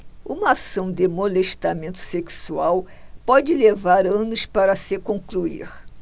uma ação de molestamento sexual pode levar anos para se concluir